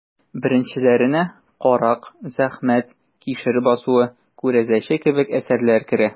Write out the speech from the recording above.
Беренчеләренә «Карак», «Зәхмәт», «Кишер басуы», «Күрәзәче» кебек әсәрләр керә.